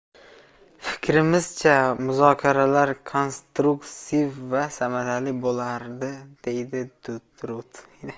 fikrimizcha muzokaralar konstruktiv va samarali bo'lardi deydi rud